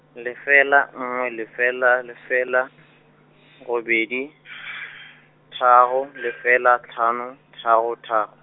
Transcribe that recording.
lefela nngwe lefela lefela, robedi , tharo lefela tlhano, tharo tharo.